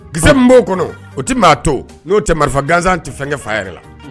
kisɛ min b' kɔnɔ, o tɛ maa to n'o tɛ marifa gansan tɛ fɛn kɛ fa yɛrɛ la.